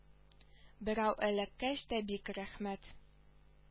Берәү эләккәч тә бик рәхмәт